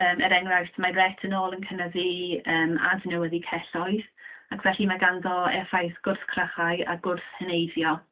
Yym, er enghraifft, mae retinol yn cynyddu, yym, adnewyddu celloedd ac felly mae ganddo effaith gwrth-crychau a gwrth-heneiddio.